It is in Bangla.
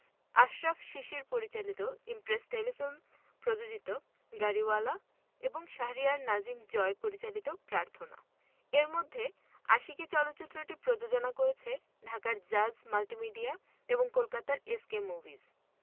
আশরাফ শিশির পরিচালিত ইমপ্রেস টেলিফিল্ম প্রযোজিত গাড়িওয়ালা এবং শাহরিয়ার নাজিম জয় পরিচালিত প্রার্থনা এর মধ্যে আশিকী চলচ্চিত্রটি প্রযোজনা করছে ঢাকার জাজ মাল্টিমিডিয়া এবং কলকাতার এস কে মুভিজ